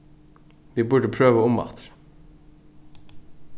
vit burdu prøvað umaftur